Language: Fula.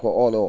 ko oolo oo